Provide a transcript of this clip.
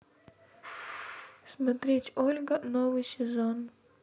смотреть ольга новый сезон